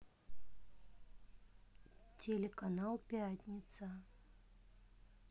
телеканал пятница